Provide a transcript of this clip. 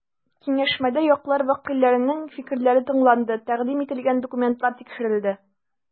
Киңәшмәдә яклар вәкилләренең фикерләре тыңланды, тәкъдим ителгән документлар тикшерелде.